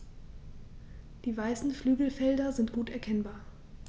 Die weißen Flügelfelder sind gut erkennbar.